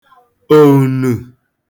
òùnù